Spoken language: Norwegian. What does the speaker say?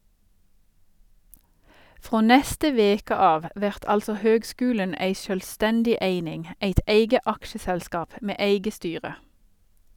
Frå neste veke av vert altså høgskulen ei sjølvstendig eining, eit eige aksjeselskap med eige styre.